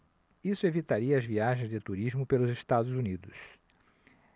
isso evitaria as viagens de turismo pelos estados unidos